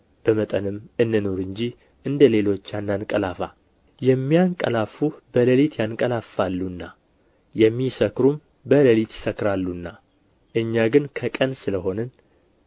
በመጠንም እንኑር እንጂ እንደ ሌሎች አናንቀላፋ የሚያንቀላፉ በሌሊት ያንቀላፋሉና የሚሰክሩም በሌሊት ይሰክራሉና እኛ ግን ከቀን ስለ ሆንን